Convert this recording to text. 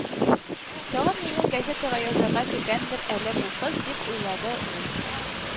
«тагын мине газетага язарга кергәндер әле бу кыз, дип уйлады ул